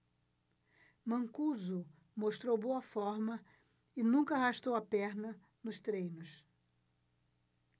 mancuso mostrou boa forma e nunca arrastou a perna nos treinos